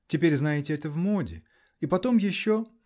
Теперь, знаете, это в моде И потом еще.